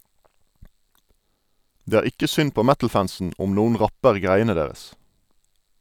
Det er ikke synd på metalfansen om noen rapper greiene deres.